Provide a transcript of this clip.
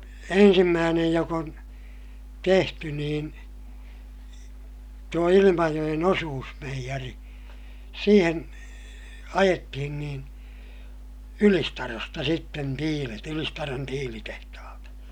ensimmäinen joka on tehty niin tuo Ilmajoen osuusmeijeri siihen ajettiin niin Ylistarosta sitten tiilet Ylistaron tiilitehtaalta